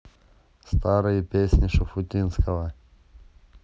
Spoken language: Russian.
старые песни шуфутинского